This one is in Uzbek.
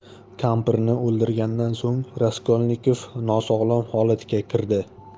kampirni o'ldirgandan so'ng raskolnikov nosog'lom holatga kiradi